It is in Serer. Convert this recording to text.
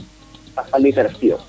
parce xa mikar a ndef tiyo